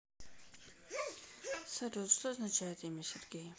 салют что означает имя сергей